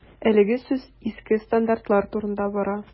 Әлегә сүз иске стандартлар турында бара.